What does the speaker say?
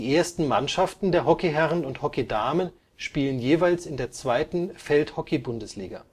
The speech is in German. ersten Mannschaften der Hockeyherren und Hockeydamen spielen jeweils in der 2. Feldhockeybundesliga